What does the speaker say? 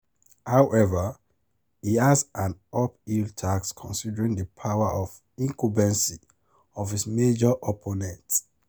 However, he has an uphill task considering the power of incumbency of his major opponent.